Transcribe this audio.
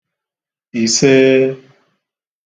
ìsee